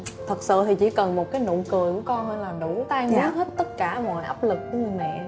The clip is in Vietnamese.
thật sự thì chỉ cần một cái nụ cười của con thôi là đủ tan biến hết tất cả mọi áp lực của người mẹ